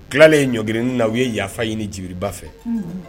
Tilalen ye ɲɔgirinin na u ye yafa ɲini jiriba fɛ